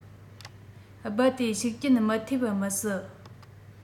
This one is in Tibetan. རྦད དེ ཤུགས རྐྱེན མི ཐེབས མི སྲིད